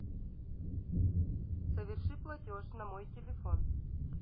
соверши платеж на мой телефон